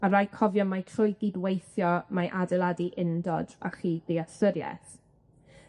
A raid cofio mai trwy gydweithio mae adeiladu undod a chyd-dealltwrieth.